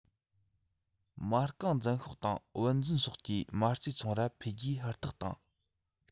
མ རྐང འཛིན ཤོག དང བུན འཛིན སོགས ཀྱི མ རྩའི ཚོང ར འཕེལ རྒྱས ཧུར ཐག བཏང